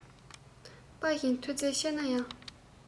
དཔའ ཞིང མཐུ རྩལ ཆེ ན ཡང